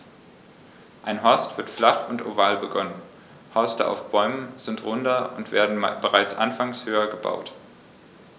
Ein Horst wird flach und oval begonnen, Horste auf Bäumen sind runder und werden bereits anfangs höher gebaut.